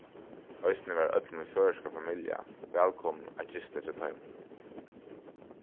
eisini var øll mín føroyska familja vælkomin at gista hjá teimum